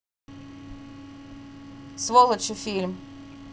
сволочи фильм